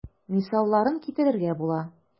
Мисалларын китерергә була.